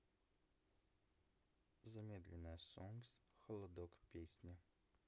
замедленная songs холодок песня